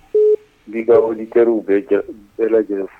Nb'i ka auditeur bɛɛ lajɛlen fo.